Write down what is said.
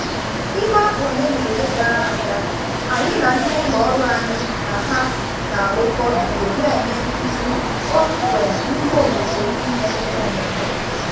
N'ime afọ olenaola gara aga, anyị na ndị ụlọ ọrụ anyị na ha na-arụkọ bidoro na-eme nkụzi, kpọmkwem n'ime obodo ndị na-emepe emepe.